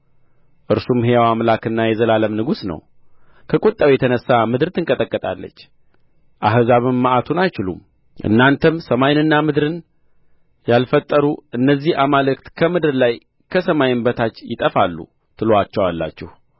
እርሱም ሕያው አምላክና የዘላለም ንጉሥ ነው ከቍጣው የተነሣ ምድር ትንቀጠቀጣለች አሕዛብም መዓቱን አይችሉም እናንተም ሰማይንና ምድርን ያልፈጠሩ እነዚህ አማልክት ከምድር ላይ ከሰማይም በታች ይጠፋሉ ትሉአቸዋላችሁ